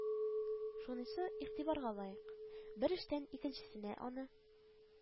Шунысы игътибарга лаек: бер эштән икенчесенә аны